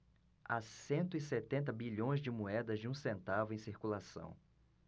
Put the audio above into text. há cento e setenta bilhões de moedas de um centavo em circulação